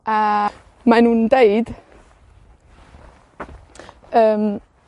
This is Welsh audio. A mae nw'n deud, yym,